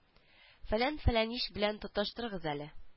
Фәлән фәләнич белән тоташтырыгыз әле